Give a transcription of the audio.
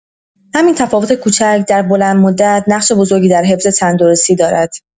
همین تفاوت کوچک، در بلندمدت نقش بزرگی در حفظ تندرستی دارد.